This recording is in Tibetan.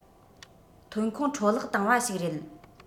ཐོན ཁུངས འཕྲོ བརླག བཏང བ ཞིག རེད